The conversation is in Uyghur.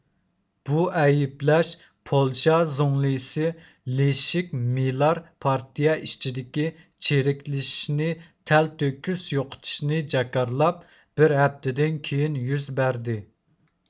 بۇ ئەيىبلەش پولشا زۇڭلىسى لېشېك مىلار پارتىيە ئىچىدىكى چىرىكلىشىشنى تەلتۆكۈس يوقىتىشنى جاكارلاپ بىر ھەپتىدىن كېيىن يۈز بەردى